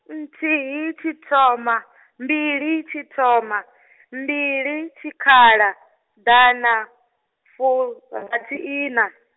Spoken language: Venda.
nthihi tshithoma, mbili tshithoma, mbili tshikhala, ḓanafurathiiṋa.